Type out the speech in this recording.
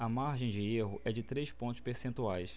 a margem de erro é de três pontos percentuais